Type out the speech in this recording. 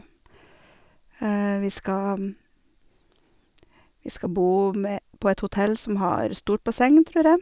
vi skal Vi skal bo med på et hotell som har stort basseng, tror jeg.